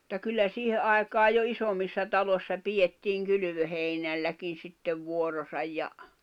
mutta kyllä siihen aikaan jo isommissa taloissa pidettiin kylvöheinälläkin sitten vuoronsa ja